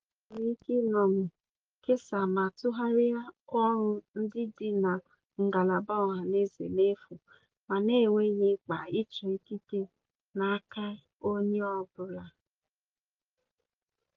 Onye ọbụla nwere ike ṅomie, kesaa ma tụgharịa ọrụ ndị dị na ngalaba ọhaneze n'efu ma na-enweghị mkpa ịchọ ikike n'aka onye ọbụla.